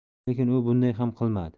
lekin u bunday ham qilmadi